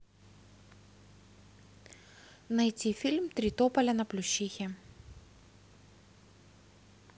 найти фильм три тополя на плющихе